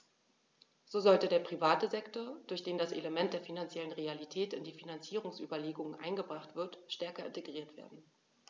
So sollte der private Sektor, durch den das Element der finanziellen Realität in die Finanzierungsüberlegungen eingebracht wird, stärker integriert werden.